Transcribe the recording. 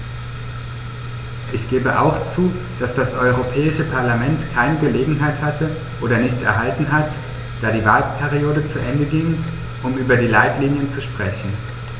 Ich gebe auch zu, dass das Europäische Parlament keine Gelegenheit hatte - oder nicht erhalten hat, da die Wahlperiode zu Ende ging -, um über die Leitlinien zu sprechen.